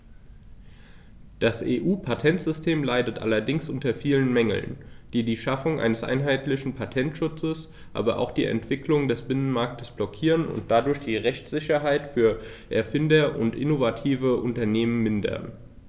Das EU-Patentsystem leidet allerdings unter vielen Mängeln, die die Schaffung eines einheitlichen Patentschutzes, aber auch die Entwicklung des Binnenmarktes blockieren und dadurch die Rechtssicherheit für Erfinder und innovative Unternehmen mindern.